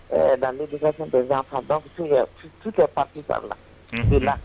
Dan de bɛ zanfa ba fɛfɛ pasi saba la bɛ la